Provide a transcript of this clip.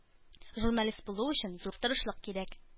Журналист булу өчен зур тырышлык кирәк.